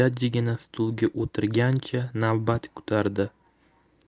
jajjigina stulga o'tirgancha navbat kutardi